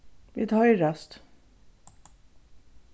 vit hoyrast